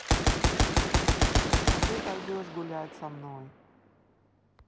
а ты пойдешь гулять со мной